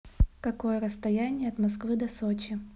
какое расстояние от москвы до сочи